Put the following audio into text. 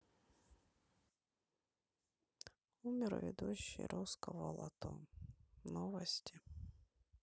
умер ведущий русского лото новости